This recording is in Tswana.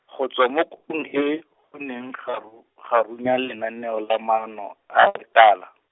go tswa mo kopong e , go neng ga ro-, ga runya lenaneo la maano, a lekala.